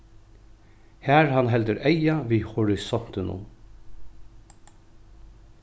har hann heldur eyga við horisontinum